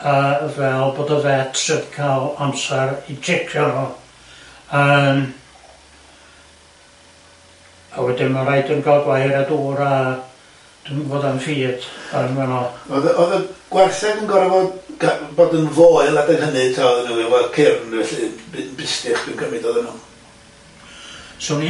yy fel bod y vet yn ca'l amsar i jecio n'w yym a wedyn ma' raid i n'w ga'l gwaith a dŵr a dwi'm yn gwbod am ffid yn fan' 'no. Oedd y oedd y gwartheg yn gorfod ca- bod yn foel erbyn hynny ta o'dden n'w i efo cyrn felly by- bysych dwi'n cymryd o'dda n'w?